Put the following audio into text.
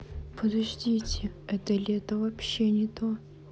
подождите это лето вообще не то